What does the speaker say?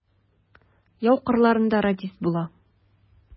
Яу кырларында радист була.